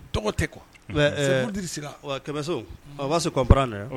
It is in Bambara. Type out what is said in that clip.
Tɔgɔ tɛ quoi, c'es pour dire cela, oui, oui kɛmɛso, on va se comprendre hein !